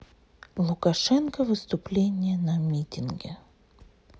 лукашенко выступление на митинге